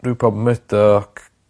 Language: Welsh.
Rupert Murdoc